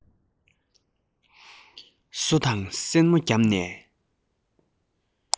སོ དང སེན མོ བརྒྱབ ནས